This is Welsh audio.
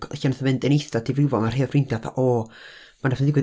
lle wnaeth o fynd yn eitha difrifol, o' rhai o'n ffrindia fatha "o, ma rwbath yn digwydd."